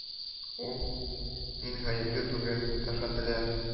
Ул: «Мин гаепле түгел, әфәнделәр